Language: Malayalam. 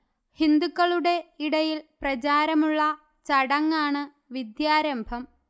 ഹിന്ദുക്കളുടെ ഇടയിൽ പ്രചാരമുള്ള ചടങ്ങാണ് വിദ്യാരംഭം